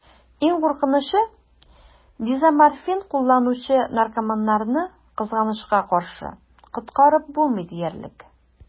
Иң куркынычы: дезоморфин кулланучы наркоманнарны, кызганычка каршы, коткарып булмый диярлек.